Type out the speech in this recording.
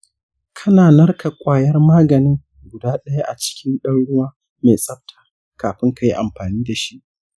ka narka ƙwayar magani guda ɗaya a cikin ɗan ruwa mai tsafta kafin ka yi amfani da shi.